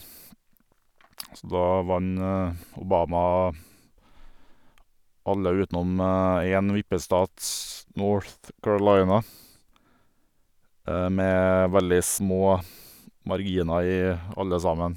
Så da vant Obama alle utenom én vippestat, North Carolina, med veldig små marginer i alle sammen.